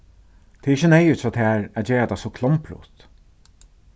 tað er ikki neyðugt hjá tær at gera tað so klombrut